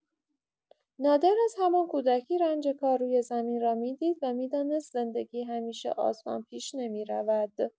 نادر از همان کودکی رنج کار روی زمین را می‌دید و می‌دانست زندگی همیشه آسان پیش نمی‌رود.